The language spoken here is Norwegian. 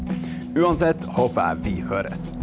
uansett håper jeg vi høres.